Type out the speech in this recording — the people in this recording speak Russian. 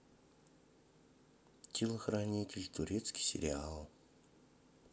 телохранитель турецкий сериал